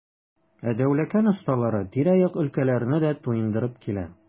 Ә Дәүләкән осталары тирә-як өлкәләрне дә туендырып килә.